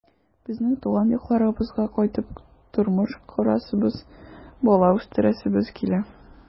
Безнең туган якларыбызга кайтып тормыш корасыбыз, бала үстерәсебез килә.